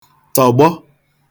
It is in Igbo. tọ̀gbọ